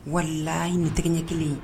Walahi nin tɛgɛ ɲɛ kelen in